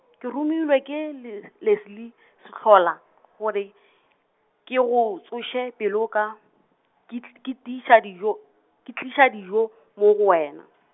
ke romilwe ke les- Leslie Sehlola , gore, ke go tsoše pelo ka, ke tl-, ke di sa dijo, ke tliša dijo, moo go wena .